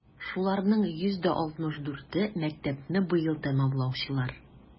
Шуларның 164е - мәктәпне быел тәмамлаучылар.